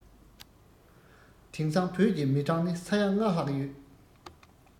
དེང སང བོད ཀྱི མི གྲངས ནི ས ཡ ལྔ ལྷག ཡོད